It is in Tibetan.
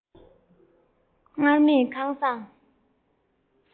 སྔར མེད ཁང བཟང